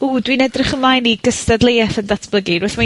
Ww, dwi'n edrych ymlaen i gystadleuaeth yn datblygu ma'...